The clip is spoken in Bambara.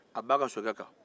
a b'a ka sokɛ kan